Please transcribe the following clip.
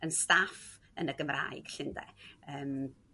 yn staff yn y Gymraeg 'llu de? Yym